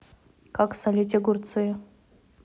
как солить огурцы